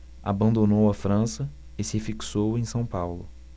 abandonou a frança e se fixou em são paulo